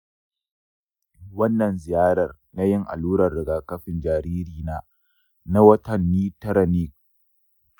wannan ziyarar na yin allurar rigakafin jariri na na watanni tara neh.